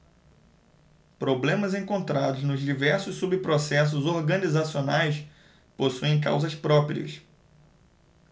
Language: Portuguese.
problemas encontrados nos diversos subprocessos organizacionais possuem causas próprias